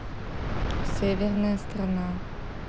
северная страна